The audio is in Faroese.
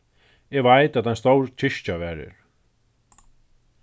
eg veit at ein stór kirkja var her